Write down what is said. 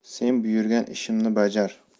sen buyurgan ishimni bajar